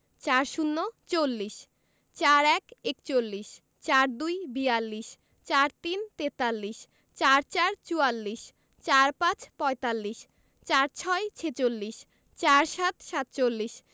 ৪০ - চল্লিশ ৪১ - একচল্লিশ ৪২ - বিয়াল্লিশ ৪৩ - তেতাল্লিশ ৪৪ – চুয়াল্লিশ ৪৫ - পঁয়তাল্লিশ ৪৬ - ছেচল্লিশ ৪৭ - সাতচল্লিশ